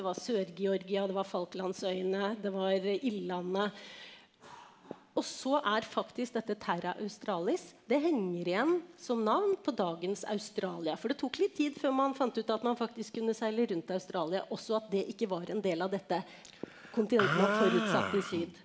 det var Sør-Georgia, det var Falklandsøyene, det var Ildlandet og så er faktisk dette Terra Australis det henger igjen som navn på dagens Australia, for det tok litt tid før man fant ut at man faktisk kunne seile rundt Australia også at det ikke var en del av dette kontinentet man forutsatte i syd.